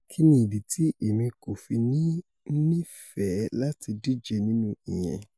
Kínni ìdí ti emi kòfi ní nifẹ́ láti díje nínú ìyẹn?''